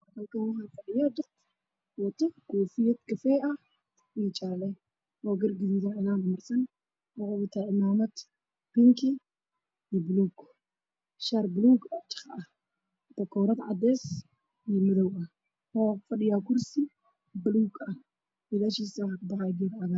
Halkaan waxaa fadhiyo nin wato koofi jaale ah iyo kafay oo gar gaduudan oo cilaan u marsan yahay waxuu wataa cimaamad bingi iyo buluug ah, shaati buluug ah, bakoorad cadeys iyo madow ah, waxuu kufadhiyaa kursi buluug ah gadaashiisa waxaa kabaxaayo geedo cagaaran.